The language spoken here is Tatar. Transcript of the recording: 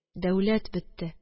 Дәүләт бетте